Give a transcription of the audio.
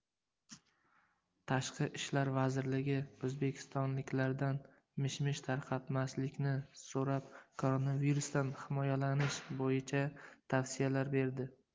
tashqi ishlar vazirligi o'zbekistonliklardan mish mish tarqatmaslikni so'rab koronavirusdan himoyalanish bo'yicha tavsiyalar berdi